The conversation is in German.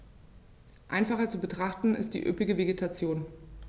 Einfacher zu betrachten ist die üppige Vegetation.